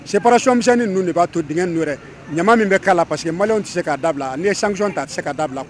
Seracmisɛnsɛnnin dun de b'a to dgɛ n don yɛrɛ ɲama min bɛ kala la parce que mali tɛ se ka' da bila n ye samisɔn ta a se ka dabila